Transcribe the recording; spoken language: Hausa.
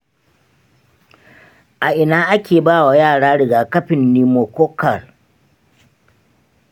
a ina ake ba wa yara rigakafin pneumococcal?